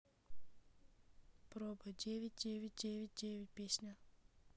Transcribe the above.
проба девять девять девять песня